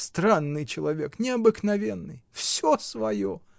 Странный человек, необыкновенный: всё свое!